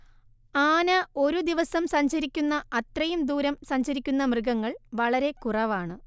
ആന ഒരു ദിവസം സഞ്ചരിക്കുന്ന അത്രയും ദൂരം സഞ്ചരിക്കുന്ന മൃഗങ്ങൾ വളരെ കുറവാണ്